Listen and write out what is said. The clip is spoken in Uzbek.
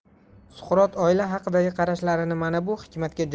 suqrot oila haqidagi qarashlarini mana bu hikmatga